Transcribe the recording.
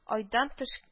Айдан төш